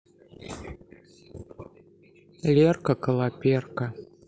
лерка калаперка